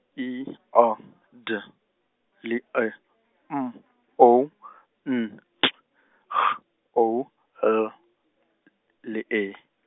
I A D, le E M O N T H O L, le E .